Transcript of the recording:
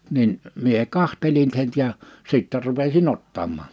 niin minä katselin sen ja sitten rupesin ottamaan